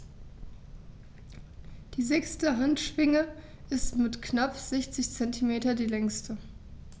Die sechste Handschwinge ist mit knapp 60 cm die längste.